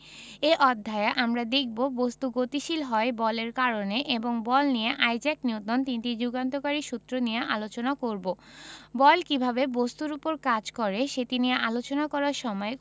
এই অধ্যায়ে আমরা দেখব বস্তু গতিশীল হয় বলের কারণে এবং বল নিয়ে আইজাক নিউটনের তিনটি যুগান্তকারী সূত্র নিয়ে আলোচনা করব বল কীভাবে বস্তুর উপর কাজ করে সেটি নিয়ে আলোচনা করার সময়